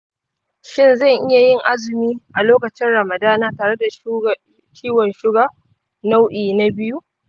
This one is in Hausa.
shin zan iya yin azumi a lokain ramadana tare da ciwon suga nau'i na biyu?